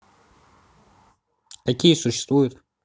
какие существуют